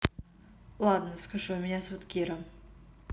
ладно скажу меня зовут кира